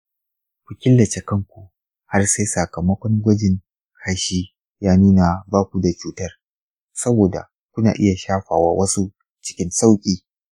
ku killace kanku har sai sakamakon gwajin kashi ya nuna baku da cutar, saboda kuna iya shafawa wasu cikin sauƙi.